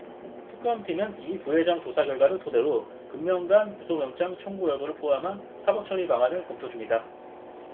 특검팀은 이 부회장 조사 결과를 토대로 금명간 구속영장 청구 여부를 포함한 사법처리 방안을 검토 중이다